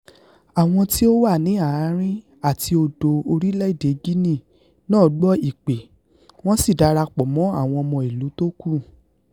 Àwọn tí ó wà ní Àárín àti Odò orílẹ̀ èdè Guinea náà gbọ́ ìpè, wọ́n sì darapọ̀ mọ́ àwọn ọmọ ìlú tó kù.